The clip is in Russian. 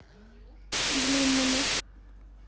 длинными